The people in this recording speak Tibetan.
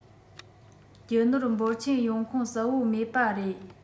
རྒྱུ ནོར འབོར ཆེན ཡོང ཁུངས གསལ པོ མེད པ རེད